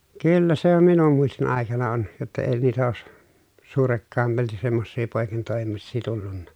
kyllä se on minun muistin aikana on jotta ei niitä ole suurekkaimmalti semmoisia poikintoimisia tullut